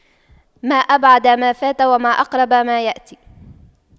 ما أبعد ما فات وما أقرب ما يأتي